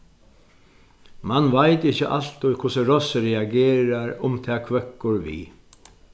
mann veit ikki altíð hvussu rossið reagerar um tað hvøkkur við